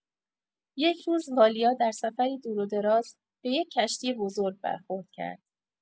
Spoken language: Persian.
یک روز، والیا در سفری دور و دراز، به یک کشتی بزرگ برخورد کرد.